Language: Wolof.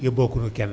yóbboogunu kenn